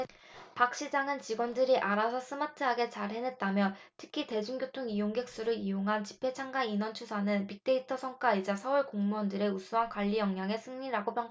박 시장은 직원들이 알아서 스마트하게 잘 해냈다며 특히 대중교통 이용객 수를 이용한 집회 참가 인원 추산은 빅데이터 성과이자 서울 공무원들의 우수한 관리역량의 승리라고 평가했다